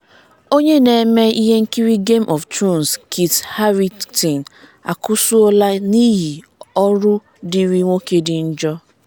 Onye na-eme ihe nkiri Game of Thrones Kit Harrington akụsuola n’ihi ọrụ dịrị nwoke dị njọ